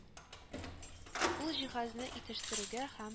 Ул иһазны итештерүгә һәм